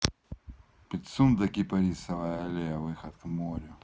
пицунда кипарисовая аллея выход к морю